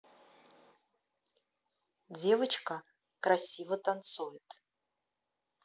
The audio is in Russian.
девочка красиво танцует